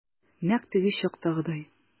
Нәкъ теге чактагыдай.